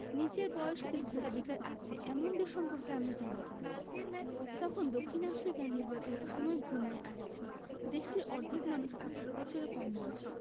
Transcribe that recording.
নিচের বয়সীদের ভোটাধিকার আছে এমন দেশ সম্পর্কে আমি জানি কি না তখন দক্ষিণ আফ্রিকায় নির্বাচনের সময় ঘনিয়ে আসছে দেশটির অর্ধেক মানুষ ১৮ বছরের কম বয়সী